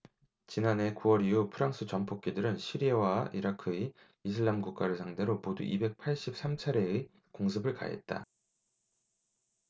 지난해 구 월 이후 프랑스 전폭기들은 시리아와 이라크의 이슬람국가를 상대로 모두 이백 팔십 삼 차례의 공습을 가했다